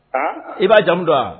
I b'a jamu don wa